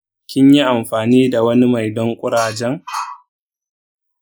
kin yi amfani da wani mai don ƙurajen?